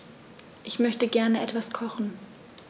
Ich möchte gerne etwas kochen.